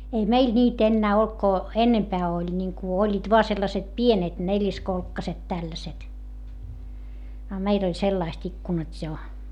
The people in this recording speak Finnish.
ei meillä niitä enää ollut kun enempää oli niin kuin olivat vain sellaiset pienet neliskolkkaiset tällaiset a meillä oli sellaiset ikkunat jo